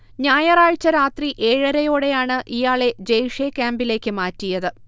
ഞായറാഴ്ച രാത്രി ഏഴരയോടെയാണ് ഇയാളെ ജെയ്ഷെ ക്യാമ്പിലേക്ക് മാറ്റിയത്